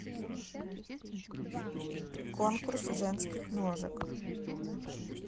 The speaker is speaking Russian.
конкурс женских ножек